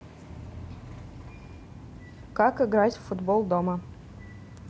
как играть в футбол дома